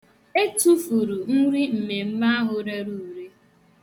E tufuru nri mmemme ahụ rere ure.